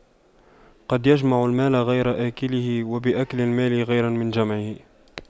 قد يجمع المال غير آكله ويأكل المال غير من جمعه